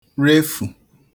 refù